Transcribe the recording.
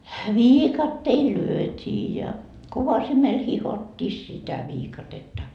viikatteilla lyötiin ja kovasimella hiottiin sitä viikatetta